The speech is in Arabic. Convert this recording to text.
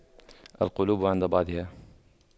القلوب عند بعضها